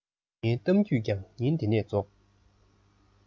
ངའི གཏམ རྒྱུད ཀྱང ཉིན དེ ནས རྫོགས